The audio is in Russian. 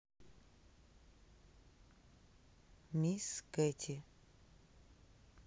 miss katy